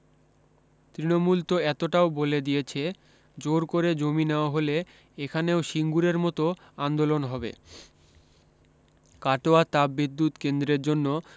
তৃণমূল তো এতটাও বলে দিয়েছে জোর করে জমি নেওয়া হলে এখানেও সিঙ্গুরের মতো আন্দোলন হবে কাটোয়া তাপবিদ্যুত কেন্দ্রের জন্য